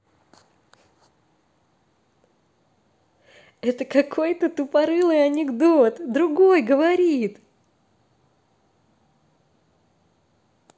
это какой то тупорылый анекдот другой говорит